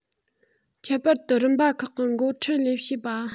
ཁྱད པར དུ རིམ པ ཁག གི འགོ ཁྲིད ལས བྱེད པ